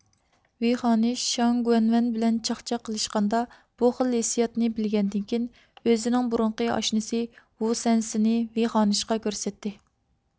ۋېي خانىش شاڭگۈەنۋەن بىلەن چاخچاق قىلشقاندا بۇ خىل ھېسياتنى بىلگەندىن كېيىن ئۆزىنىڭ بۇرۇنقى ئاشنىسى ۋۇسەنسنى ۋېي خانىشقا كۆرسەتتى